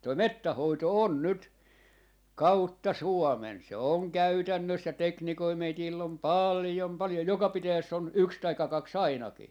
tuo metsän hoito on nyt kautta Suomen se on käytännössä teknikoita meillä on paljon paljon joka pitäjässä on yksi tai kaksi ainakin